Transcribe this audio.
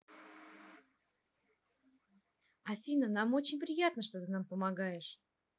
афина нам очень приятно что ты нам помогаешь